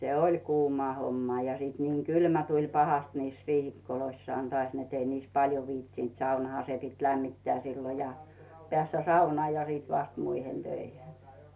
se oli kuumaa hommaa ja siitä niin kylmä tuli pahasti niissä riihikoissaan taas että ei niissä paljon viitsinyt saunahan se piti lämmittää silloin ja päästä saunaan ja sitten vasta muihin töihin